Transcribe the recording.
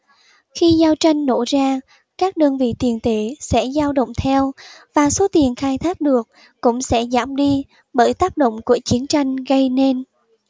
khi giao tranh nổ ra các đơn vị tiền tệ sẽ giao động theo và số tiền khai thác được cũng sẽ giảm đi bởi tác động của chiến tranh gây nên